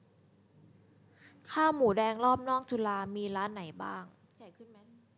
ข้าวหมูแดงรอบนอกจุฬามีร้านไหนบ้าง